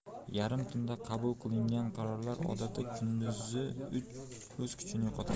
yarim tunda qabul qilingan qarorlar odatda kunduzi o'z kuchini yo'qotadi